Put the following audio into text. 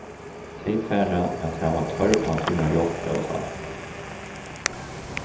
tey fara at hava tørv á tínari hjálp hóast alt